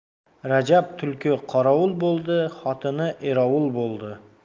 rajab tulki qorovul bo'ldi xotini erovul bo'ldi